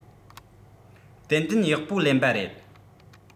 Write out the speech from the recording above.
ཏན ཏན ཡག པོ ལེན པ རེད